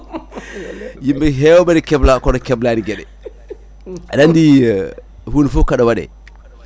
yimɓe yewɓe ene kebla kono keblani gueɗe aɗa andi hunde foof kaɗa waɗe